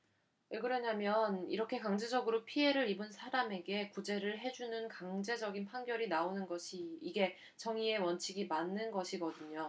왜 그러냐면 이렇게 강제적으로 피해를 입은 사람에게 구제를 해 주는 강제적인 판결이 나오는 것이 이게 정의의 원칙에 맞는 것이거든요